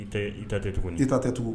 I tɛ, i ta tɛ tuguni, i ta tɛ tuguni.